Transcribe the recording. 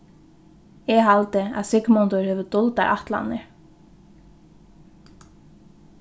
eg haldi at sigmundur hevur duldar ætlanir